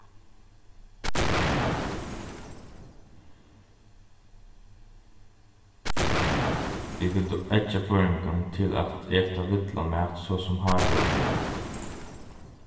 vit vildu eggja føroyingum til at eta villan mat so sum haru og fugl